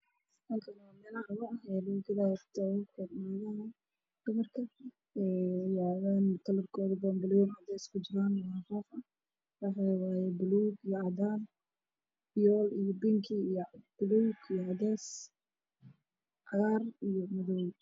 Meeshan waa carwo waxaa yeelay saakooyin dumar oo ay ku jiraan boombal cadaan ah